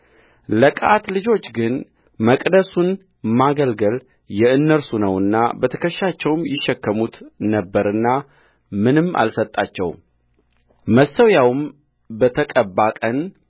ለቀዓት ልጆች ግን መቅደሱን ማገልገል የእነርሱ ነውና በትከሻቸውም ይሸከሙት ነበርና ምንም አልሰጣቸውምመሠዊያውም በተቀባ ቀን